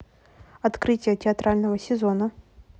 открытие театрального сезона